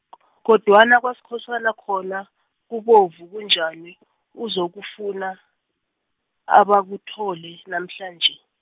kodwana kwaSkhosana khona, kubovu kunjani, uzokufuna, abakuthole namhlanje.